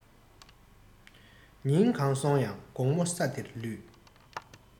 ཉིན གང སོང ཡང དགོང མོ ས དེར ལུས